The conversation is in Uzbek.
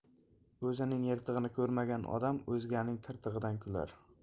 o'zining yirtig'ini ko'rmagan o'zganing tirtig'idan kular